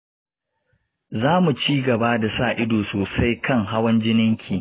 za mu ci gaba da sa ido sosai kan hawan jininki.